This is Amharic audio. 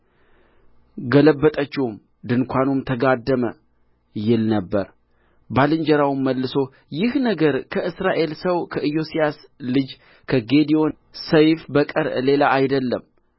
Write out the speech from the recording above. ባልንጀራውም መልሶ ይህ ነገር ከእስራኤል ሰው ከኢዮአስ ልጅ ከጌዴዎን ሰይፍ በቀር ሌላ አይደለም እግዚአብሔር ምድያምንና ሠራዊቱን ሁሉ በእጁ አሳልፎ ሰጥቶአል አለው